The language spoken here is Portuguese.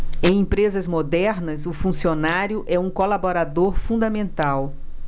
em empresas modernas o funcionário é um colaborador fundamental